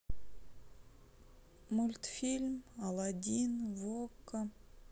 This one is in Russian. мультфильм алладин в окко